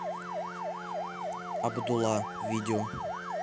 абдула видео